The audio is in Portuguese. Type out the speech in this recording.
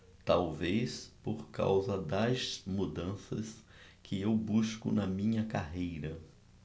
talvez por causa das mudanças que eu busco na minha carreira